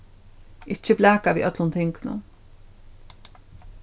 ikki blaka við øllum tingunum